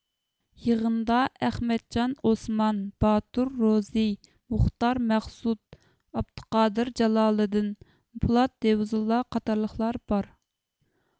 يىغىندا ئەخمەتجان ئوسمان باتۇر روزى مۇختار مەخسۇت ئابدۇقادىر جالالىدىن پولات ھېۋزۇللا قاتارلىقلار بار